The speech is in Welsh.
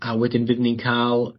a wedyn bydd ni'n ca'l